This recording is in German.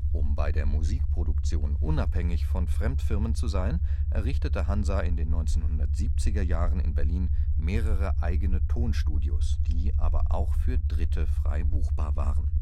Um bei der Musikproduktion unabhängig von Fremdfirmen zu sein, errichtete Hansa in den 1970er Jahren in Berlin mehrere eigene Tonstudios, die aber auch für Dritte frei buchbar waren